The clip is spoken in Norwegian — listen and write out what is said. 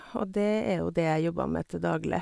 Og det er jo det jeg jobber med til daglig.